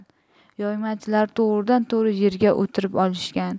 yoymachilar to'g'ridan to'g'ri yerga o'tirib olishgan